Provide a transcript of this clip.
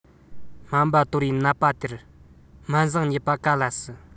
སྨན པ དོར བའི ནད པ དེར སྨན བཟང རྙེད པ ག ལ སྲིད